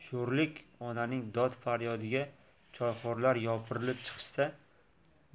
sho'rlik onaning dod faryodiga choyxo'rlar yopirilib chiqishsa